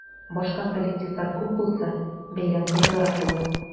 Башка коллективлар күп булса, бәйрәм кызыграк була.